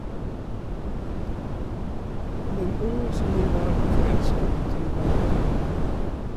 Men, åh som de var forelsket i hverandre.